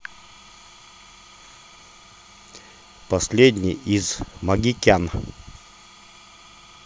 последний из могикян